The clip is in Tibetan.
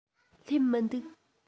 སླེབས མི འདུག